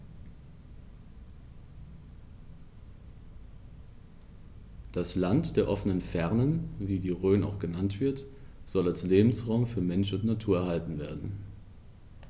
Das „Land der offenen Fernen“, wie die Rhön auch genannt wird, soll als Lebensraum für Mensch und Natur erhalten werden.